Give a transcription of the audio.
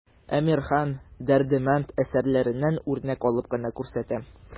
Әмирхан, Дәрдемәнд әсәрләреннән үрнәк алып кына күрсәтә.